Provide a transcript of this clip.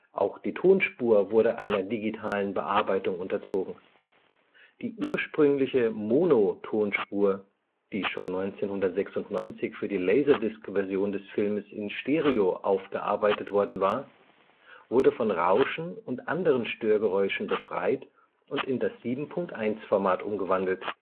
Auch die Tonspur wurde einer digitalen Bearbeitung unterzogen. Die ursprüngliche Mono-Tonspur, die schon 1996 für die Laserdisc-Version des Filmes in Stereo aufgearbeitet worden war, wurde von Rauschen und anderen Störgeräuschen befreit und in das 7.1-Format umgewandelt